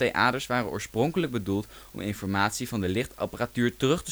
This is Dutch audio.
aders waren oorspronkelijk bedoeld om informatie van de lichtapparatuur terug